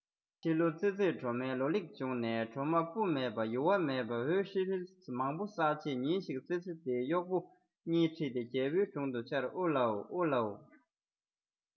ཕྱི ལོ ཙི ཙིར གྲོ མའི ལོ ལེགས བྱུང ནས གྲོ མ སྤུ མེད པ ཡུ བ མེད པ འོད ཧྲིལ ཧྲིལ མང མོ བསགས རྗེས ཉིན ཞིག ཙི ཙི དེས གཡོག པོ གཉིས ཁྲིད དེ རྒྱལ པོའི དྲུང དུ བཅར ཨུ ལའོ ཨུ ལའོ